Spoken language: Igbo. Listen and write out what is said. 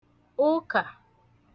ukà